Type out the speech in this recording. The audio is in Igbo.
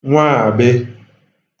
nwaàbe